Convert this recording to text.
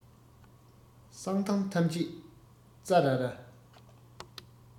གསང གཏམ ཐམས ཅད ཙ ར ར